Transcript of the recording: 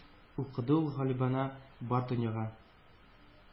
Укыды ул галибанә бар дөньяга.